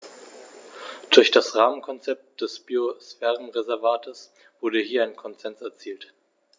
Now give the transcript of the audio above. Durch das Rahmenkonzept des Biosphärenreservates wurde hier ein Konsens erzielt.